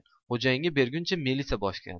xo'jayiniga berguncha milisa bosgan